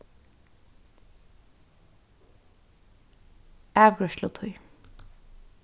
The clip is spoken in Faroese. avgreiðslutíð